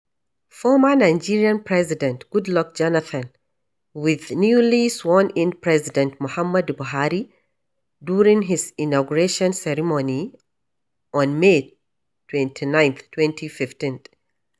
Former Nigerian President Goodluck Jonathan with newly sworn-in President Muhammadu Buhari during his inauguration ceremony on May 29, 2015.